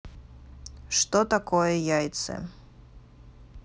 что такое яйцы